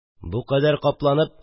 – бу кадәр капланып